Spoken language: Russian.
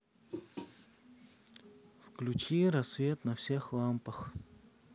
включи рассвет на всех лампах